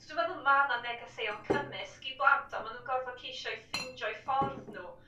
So dw' meddwl ma' 'na negeseuon cymysg i blant a ma' nw'n gorfod ceisio i ffindio'u ffordd nhw